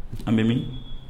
An bɛ min